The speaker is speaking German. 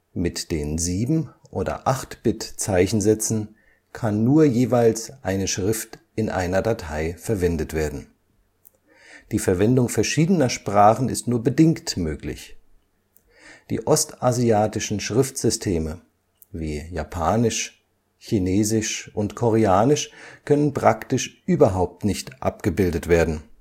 Mit den 7 - oder 8-Bit-Zeichensätzen kann nur jeweils eine Schrift in einer Datei verwendet werden; die Verwendung verschiedener Sprachen ist nur bedingt möglich. Die ostasiatischen Schriftsysteme, wie Japanisch, Chinesisch und Koreanisch, können praktisch überhaupt nicht abgebildet werden